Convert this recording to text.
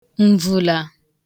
ǹvụ̀là